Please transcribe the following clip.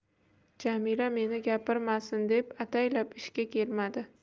jamila meni gapirmasin deb ataylab ishga kelmadi